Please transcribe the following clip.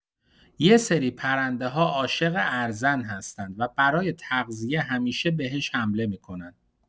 یه سری پرنده‌ها عاشق ارزن هستن و برای تغذیه همیشه بهش حمله می‌کنن.